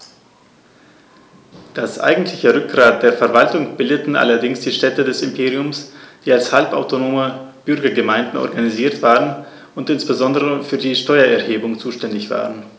Das eigentliche Rückgrat der Verwaltung bildeten allerdings die Städte des Imperiums, die als halbautonome Bürgergemeinden organisiert waren und insbesondere für die Steuererhebung zuständig waren.